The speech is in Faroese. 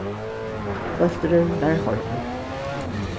bólturin var horvin